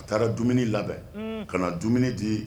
A taara dumuni labɛn ka na dumuni de ye